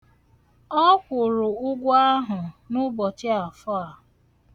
Ọ kwụrụ ụgwọ ahụ n'ụbọchị Afọ a.